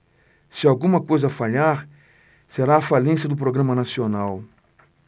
se alguma coisa falhar será a falência do programa nacional